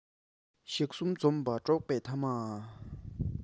ཞག གསུམ འཛོམས པ འགྲོགས པའི ཐ མ